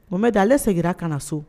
Mohamɛdi ale seginna ka na so